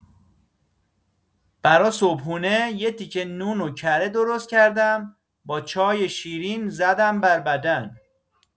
برا صبحونه یه تیکه نون و کره درست کردم با چای‌شیرین زدم بر بدن.